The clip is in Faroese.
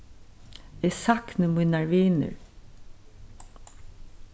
eg sakni mínar vinir